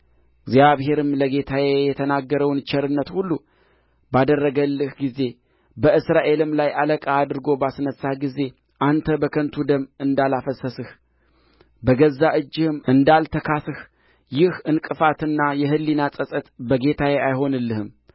እግዚአብሔርም ለጌታዬ የተናገረውን ቸርነት ሁሉ ባደረገልህ ጊዜ በእስራኤልም ላይ አለቃ አድርጎ ባስነሣህ ጊዜ አንተ በከንቱ ደም እንዳላፈሰስህ በገዛ እጅህም እንዳልተካስህ ይህ ዕንቅፋትና የሕሊና ጸጸት በጌታዬ አይሆንልህም